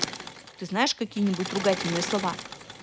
ты знаешь какие нибудь ругательные слова